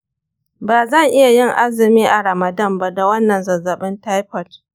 ba zan iya yin azumi a ramadan ba da wannan zazzabin taifoid.